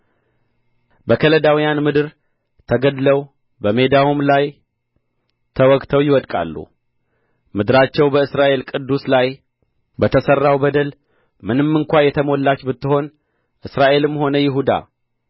በከለዳውያንም ምድር ተገድለው በሜዳዋም ላይ ተወግተው ይወድቃሉ ምድራቸው በእስራኤል ቅዱስ ላይ በተሠራው በደል ምንም እንኳ የተሞላች ብትሆን እስራኤልም ሆነ ይሁዳ